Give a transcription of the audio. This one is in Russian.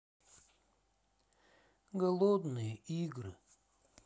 голодные игры